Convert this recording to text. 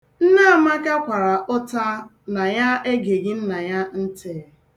Nneamaka kwara ụta na ya egeghị nna ya ntị.